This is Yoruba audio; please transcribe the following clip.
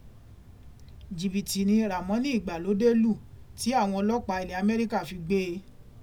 Jìbìtì ni Ràmọ́nì Ìgbàlódé lù tí àwọn ọlọ́pàá ilẹ̀ Amẹ́ríkà fi gbé e.